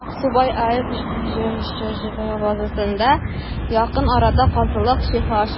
«аксубай» аф» җчҗ базасында якын арада казылык цехы ачылачак.